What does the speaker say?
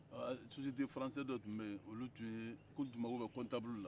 sosiyete faransɛ dɔ tun bɛ yen olu tun ye k'olu tun mako bɛ kɔntabulu la